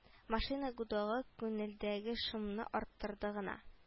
Машина гудогы күңелдәге шомны арттырды гына